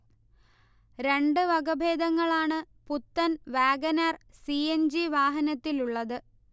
രണ്ട് വകഭേദങ്ങളാണ് പുത്തൻ Wagon R. C. N. G വാഹനത്തിലുള്ളത്